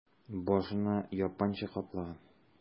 Башына япанча каплаган...